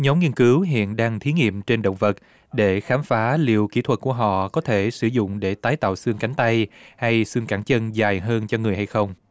nhóm nghiên cứu hiện đang thí nghiệm trên động vật để khám phá liệu kỹ thuật của họ có thể sử dụng để tái tạo xương cánh tay hay xương cẳng chân dài hơn cho người hay không